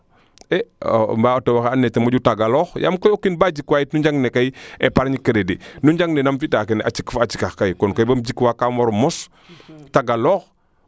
e mbaa o tewo xa ando naye ten moƴu tagaloox yaam koy o kiin ba jik waa njang ne koy épargne credit nu njang ne nam fi taa kene a cik fa a cikax kay kon kay bom jikwaa kam waro mos tagaloox